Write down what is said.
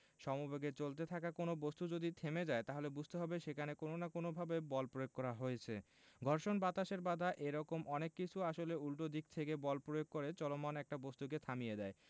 সমবেগে চলতে থাকা কোনো বস্তু যদি থেমে যায় তাহলে বুঝতে হবে সেখানে কোনো না কোনোভাবে বল প্রয়োগ করা হয়েছে ঘর্ষণ বাতাসের বাধা এ রকম অনেক কিছু আসলে উল্টো দিক থেকে বল প্রয়োগ করে চলমান একটা বস্তুকে থামিয়ে দেয়